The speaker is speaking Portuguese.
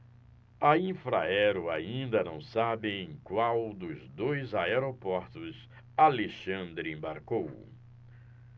a infraero ainda não sabe em qual dos dois aeroportos alexandre embarcou